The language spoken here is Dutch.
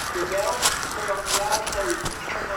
De Belgische koloniale politiek van